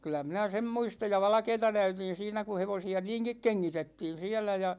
kyllä minä sen muistan ja valkeata näytin siinä kun hevosia niinkin kengitettiin siellä ja